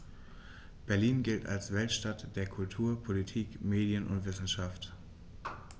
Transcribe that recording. Berlin gilt als Weltstadt der Kultur, Politik, Medien und Wissenschaften.